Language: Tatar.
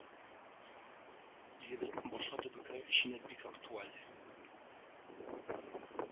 Илебезнең башка төбәкләре өчен дә бик актауаль